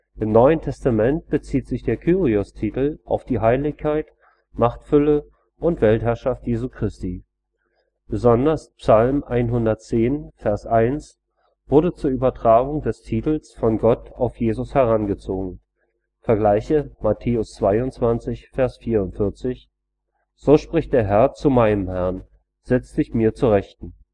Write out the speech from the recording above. Herr!). Im NT bezieht sich der Kyrios-Titel auf die Heiligkeit, Machtfülle und Weltherrschaft Jesu Christi. Besonders Ps 110,1 EU wurde zur Übertragung des Titels von Gott auf Jesus herangezogen (vgl. Mt 22,44 EU): „ So spricht der Herr zu meinem Herrn: Setze dich mir zur Rechten